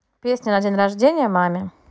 песня на день рождения маме